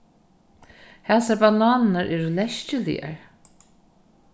hasar bananirnar eru leskiligar